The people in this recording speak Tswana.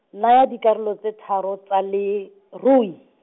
naya dikarolo tse tharo tsa lerui.